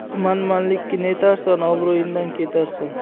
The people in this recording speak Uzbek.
manmanlikni netarsan obro'yingdan ketarsan